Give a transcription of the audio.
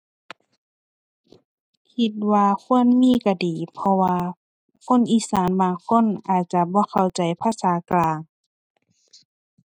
คิดว่าควรมีก็ดี เพราะว่าคนอีสานบางคนอาจจะบ่เข้าใจภาษากลาง